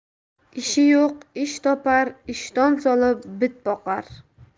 ishi yo'q ish topar ishton solib bit boqar